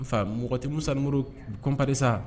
Fa mɔgɔtimu samuru kopɛsa